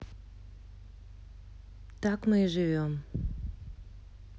так мы и живем